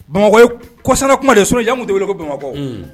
Bamakɔ kɔsa kuma de sojan de wele ko bamakɔ